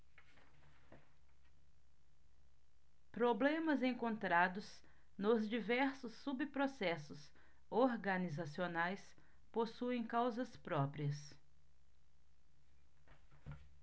problemas encontrados nos diversos subprocessos organizacionais possuem causas próprias